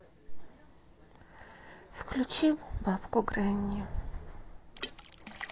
включи бабку гренни